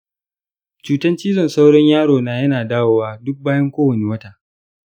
cutan cizon sauron yaro na yana dawowa duk bayan kowani wata.